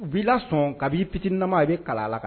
'i la sɔn kabi ip nama i bɛ kala kan